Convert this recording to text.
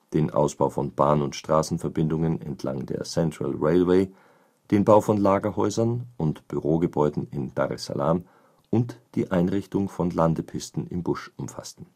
den Ausbau von Bahn - und Straßenverbindungen entlang der Central Railway, den Bau von Lagerhäusern und Bürogebäuden in Dar es Salaam und die Einrichtung von Landepisten im Busch umfassten